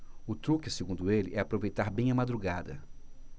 o truque segundo ele é aproveitar bem a madrugada